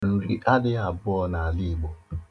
Nri adịghị abụọ n'ala Igbo.